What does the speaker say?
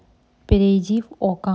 перейди в окко